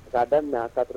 K'a daminɛ en 80